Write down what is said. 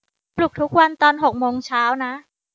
ปลุกทุกวันตอนหกโมงเช้านะ